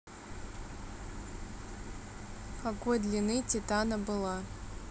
какой длины титана была